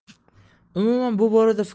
umuman bu borada fikr